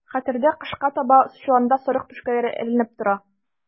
Хәтердә, кышка таба чоланда сарык түшкәләре эленеп тора.